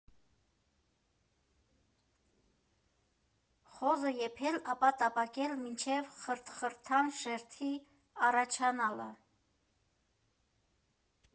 Խոզը եփել, ապա տապակել մինչև խրթխրթան շերտի առաջանալը։